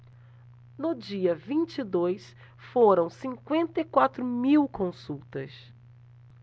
no dia vinte e dois foram cinquenta e quatro mil consultas